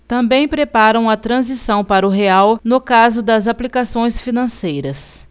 também preparam a transição para o real no caso das aplicações financeiras